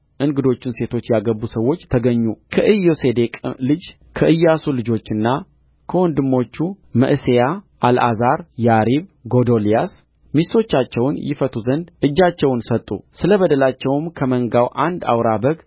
እንግዶቹን ሴቶች ያገቡ ሰዎች ተገኙ ከኢዮሴዴቅ ልጅ ከኢያሱ ልጆችና ከወንድሞቹ መዕሤያ አልዓዛር ያሪብ ጎዶልያስ ሚስቶቻቸውን ይፈቱ ዘንድ እጃቸውን ሰጡ ስለ በደላቸውም ከመንጋው አንድ አውራ በግ